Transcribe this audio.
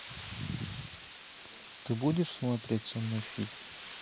ты будешь со мной смотреть фильм